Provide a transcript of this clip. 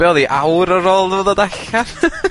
Be odd 'i awr ar ôl iddo fo ddod allan?